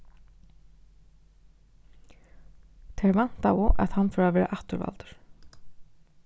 tær væntaðu at hann fór at verða afturvaldur